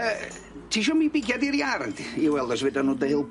Yy tisio mi bigiad i'r iard i weld os fedan nw dy helpu di?